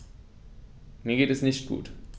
Mir geht es nicht gut.